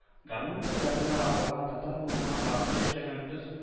Гармун телләрне агылган татар моңы, гасыр яшәгән төз